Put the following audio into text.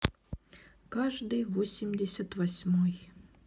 каждый восемьдесят восьмой